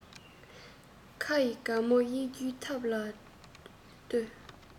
ཁེ ཡི སྒོ མོ དབྱེ རྒྱུའི ཐབས ལ ལྟོས